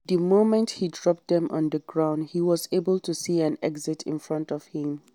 The moment he dropped them on the ground, he was able to see an exit in front of him.